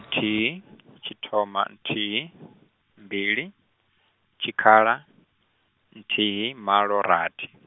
nthithi , tshithoma nthihi, mbili, tshikhala, nthihi malo rathi.